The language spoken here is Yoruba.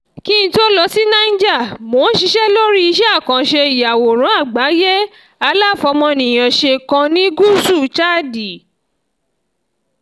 Kí n tó lọ sí Niger, mò ń ṣiṣẹ́ lórí iṣẹ́ àkànṣe ìyàwòrán àgbáyé aláfọmọnìyànṣe kan ní Gúúsù Chad.